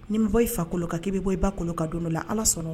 Ni bɔ i fa kolon kan k'i bɛ bɔ i ba kolon ka don dɔ la ala sɔnna